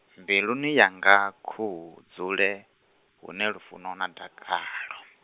mbiluni yanga, khahu dzule, hune lufuno na dakalo.